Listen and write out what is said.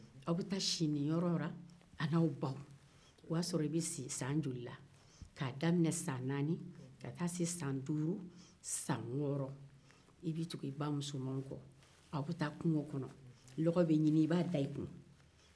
a' bɛɛ si ɲininyɔrɔ la an'aw baw o b'a' sɔrɔ i bɛ si san joli la k'a daminɛ san naani ka taa se san duuru san wɔɔrɔ i bɛ tugu i ba musomanw kɔ a bɛ taa kungo kɔnɔ dɔgɔ bɛ ɲinin i b'a da i kun